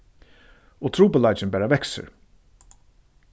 og trupulleikin bara veksur